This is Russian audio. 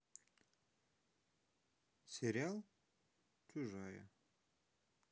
сериал чужая